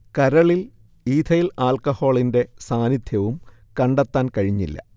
കരളിൽ ഈഥെയ്ൽ ആൽക്കഹോളിന്റെ സാന്നിധ്യവും കണ്ടെത്താൻ കഴിഞ്ഞില്ല